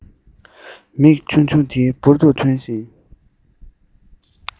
མིག ཆུང ཆུང དེ འབུར དུ ཐོན བཞིན